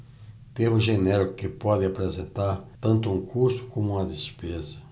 termo genérico que pode representar tanto um custo como uma despesa